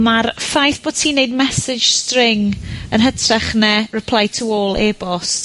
ma'r ffaith bo' ti'n neud message string yn hytrach na reply to all e-bost